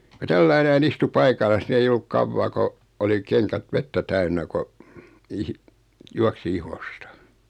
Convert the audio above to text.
kun tällä lailla näin istui paikallaan niin ei ollut kauaa kun oli kengät vettä täynnä kun ihi juoksi ihosta